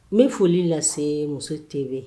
N' bɛ foli lase muso tɛ bɛ